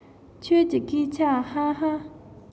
ཁྱོད ཀྱི སྐད ཆ ཧ ཧ